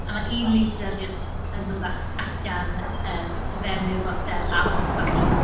A mae un litr jyst yn dod a- allan yym fewn i'r botel a off â chi.